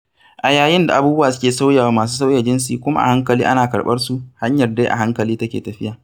A yayin da abubuwa suke sauyawa masu sauyin jinsi, kuma a hankali ana karɓar su, hanyar dai a hankali take tafiya.